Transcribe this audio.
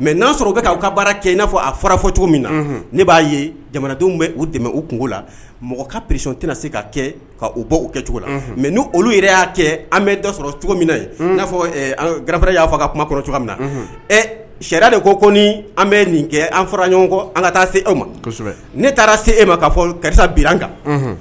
mɛ n'ana sɔrɔ k' u ka baara kɛ i n'a fɔ a fara fɔ cogo min na ne b'a ye jamanadenw bɛ u dɛmɛ u kungo la mɔgɔ ka psi tɛna se ka kɛ ka u bɔ u kɛ cogo la mɛ n' olu yɛrɛ y'a kɛ an bɛ sɔrɔ cogo min na n'a gfara y'a fɔ ka kuma kɔnɔ cogo min na sariya de ko ko an bɛ nin kɛ an fɔra ɲɔgɔn kɔ an ka taa se e ma ne taara se e ma ka fɔ karisa bian kan